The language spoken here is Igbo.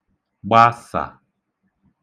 gbasà